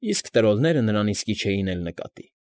Իսկ տրոլները նրան իսկի չէին էլ նկատի։